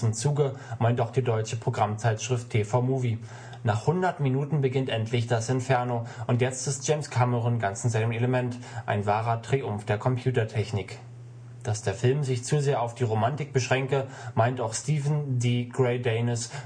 Zuge, meint auch die deutsche Programmzeitschrift TV Movie: „ Nach 100 Minuten beginnt endlich das Inferno, und jetzt ist James Cameron ganz in seinem Element … Ein wahrer Triumph der Computertechnik. “Dass der Film sich zu sehr auf die Romantik beschränke, meint auch Steven D. Greydanus vom Decent Films Guide: „ Möglicherweise